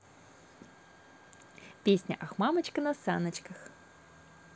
песня ах мамочка на саночках